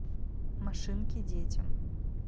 машинки детям